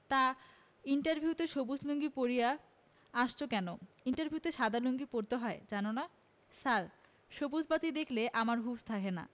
তা ইন্টারভিউ তে সবুজ লুঙ্গি পইড়া আসছো কেন ইন্টারভিউতে সাদা লুঙ্গি পড়তে হয় জানো না ছার সবুজ বাতি দ্যাখলে আমার হুশ থাহেনা